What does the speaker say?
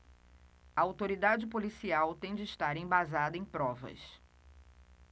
a autoridade policial tem de estar embasada em provas